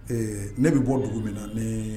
Ee ne bɛ bɔ dugu min na ni